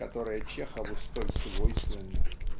которая Чехову столь свойственна?